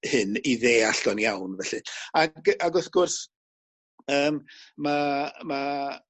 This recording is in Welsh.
hyn i ddeall o'n iawn felly ag yy ag wrth gwrs yym ma' ma'